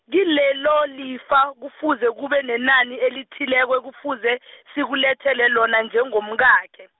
kilelolifa, kufuze kube nenani elithileko ekufuze, sikulethele lona njengomkakhe.